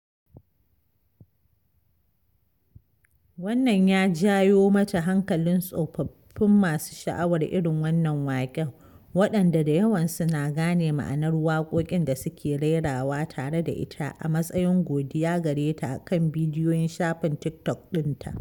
Wannan ya jawo mata hankalin tsofaffin masu sha’awar irin wannan waƙen, waɗanda da yawansu na gane ma’anar waƙoƙin da suke rerawa tare da ita a matsayin godiya gare ta kan bidiyoyin shafin TikTok ɗinta.